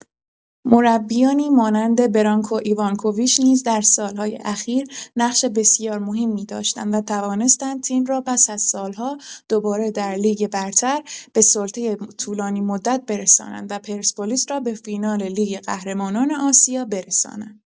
مربیانی مانند برانکو ایوانکوویچ نیز در سال‌های اخیر نقش بسیار مهمی داشتند و توانستند تیم را پس از سال‌ها دوباره در لیگ برتر به سلطه طولانی‌مدت برسانند و پرسپولیس را به فینال لیگ قهرمانان آسیا برسانند.